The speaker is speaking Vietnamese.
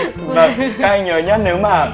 vâng các anh nhớ nhá nếu mà